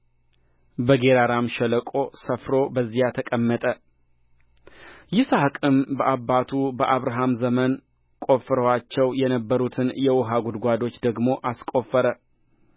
በጌራራም ሸለቆ ሰፍሮ በዚያ ተቀመጠ ይስሐቅም በአባቱ በአብርሃም ዘመን ቈፍረዋቸው የነበሩትን የውኃ ጕድጓዶች ደግሞ አስቈፈረ